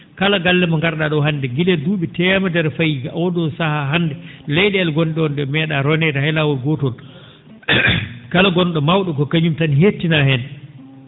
kala galle mo ngar?aa ?oo hannde gila duu?i teemedere fayi oo ?oo sahaa hannde ley?eele ngon?e ?oon ?ee mee?a roneede hay lawol gootol kala ngon?o maw?o ko kañum tan heettinaa heen